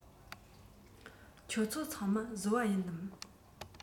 ཁྱོད ཚོ ཚང མ བཟོ པ ཡིན ནམ